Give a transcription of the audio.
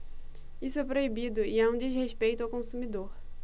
isso é proibido e é um desrespeito ao consumidor